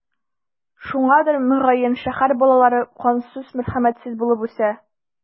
Шуңадыр, мөгаен, шәһәр балалары кансыз, мәрхәмәтсез булып үсә.